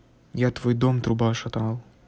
я твой дом труба шатал